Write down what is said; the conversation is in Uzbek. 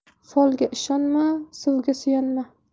folga inonma suvga suyanma